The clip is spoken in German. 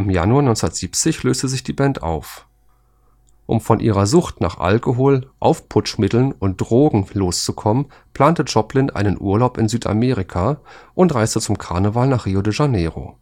Januar 1970 löste sich die Band auf. Um von ihrer Sucht nach Alkohol, Aufputschmitteln und Drogen loszukommen, plante Joplin einen Urlaub in Südamerika und reiste zum Karneval nach Rio de Janeiro